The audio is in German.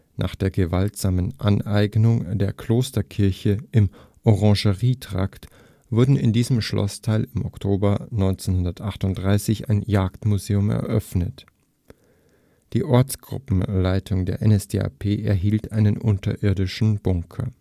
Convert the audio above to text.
Nach der gewaltsamen Aneignung der Klosterkirche im Orangerietrakt wurde in diesem Schlossteil im Oktober 1938 ein Jagdmuseum eröffnet. Die Ortsgruppenleitung der NSDAP erhielt einen unterirdischen Bunker